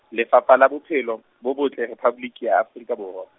Lefapha la Bophelo, bo Botle, Rephaboliki ya Afrika Borwa.